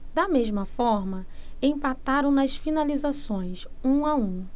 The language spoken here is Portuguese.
da mesma forma empataram nas finalizações um a um